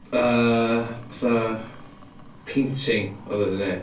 Yym fatha painting oedd o 'di neud.